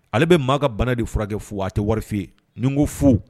Ale bɛ maa ka bana de furakɛ fo a tɛ wari f'i ye nin ko fu